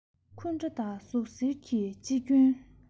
འཁུན སྒྲ དང ཟུག གཟེར གྱིས ཅི སྐྱོན